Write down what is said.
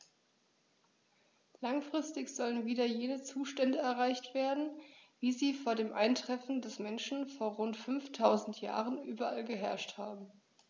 Langfristig sollen wieder jene Zustände erreicht werden, wie sie vor dem Eintreffen des Menschen vor rund 5000 Jahren überall geherrscht haben.